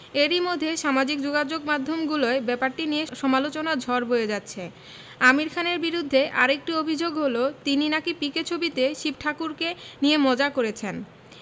এরই মধ্যে সামাজিক যোগাযোগমাধ্যমগুলোয় ব্যাপারটি নিয়ে সমালোচনার ঝড় বয়ে যাচ্ছে আমির খানের বিরুদ্ধে আরেকটি অভিযোগ হলো তিনি নাকি পিকে ছবিতে শিব ঠাকুরকে নিয়ে মজা করেছেন